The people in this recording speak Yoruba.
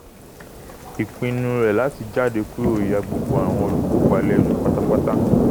Ìpinnu rẹ̀ láti jáde kúrò ya gbogbo àwọn ólὺkópa ̀lẹ́nu pátápátá.